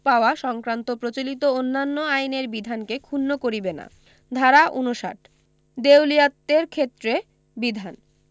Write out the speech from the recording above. পাওয়া সংক্রান্ত প্রচলিত অন্যান্য আইনের বিধানকে ক্ষুন্ন করিবে না ধারা ৫৯ দেউলিয়াত্বের ক্ষেত্রে বিধান